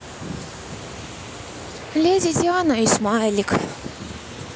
леди диана и смайлик